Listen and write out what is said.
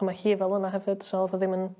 a ma' hi fel yna hefyd so o'dd o ddim yn